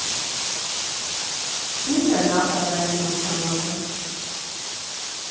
Ի՞նչ է Նախագահի մրցանակը։